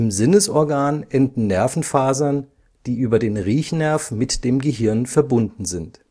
Sinnesorgan enden Nervenfasern, die über den Riechnerv mit dem Gehirn verbunden sind